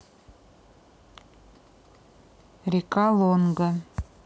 река лонго